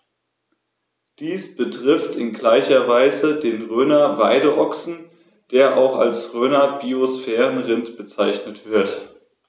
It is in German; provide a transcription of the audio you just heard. Dies betrifft in gleicher Weise den Rhöner Weideochsen, der auch als Rhöner Biosphärenrind bezeichnet wird.